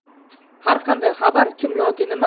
har qanday xabar kim yoki nima